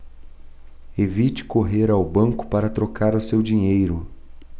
evite correr ao banco para trocar o seu dinheiro